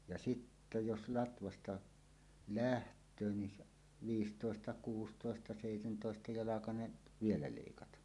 ja sitten jos latvasta lähtee niin - viisitoista- kuusitoista- seitsemäntoista- jalkainen vielä leikata